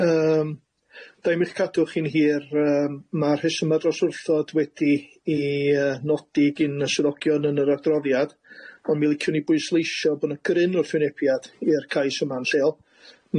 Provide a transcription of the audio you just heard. Yym, da i'm i'ch cadw chi'n hir, yym, ma'r rhesymau dros wrthod wedi i yy nodi gin y swyddogion yn yr adroddiad ond mi liciwn ni bwysleisio bo' na gryn wrthwynebiad i'r cais yma'n lleol,